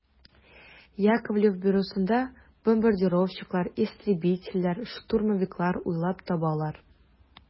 Яковлев бюросында бомбардировщиклар, истребительләр, штурмовиклар уйлап табалар.